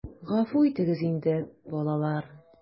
Гафу итегез инде, балалар...